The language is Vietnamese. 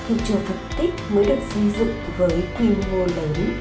chùa phật tích mới được xây dựng với quy mô lớn